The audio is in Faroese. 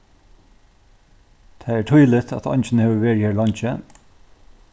tað er týðiligt at eingin hevur verið her leingi